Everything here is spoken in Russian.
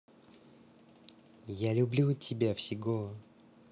я люблю тебя всего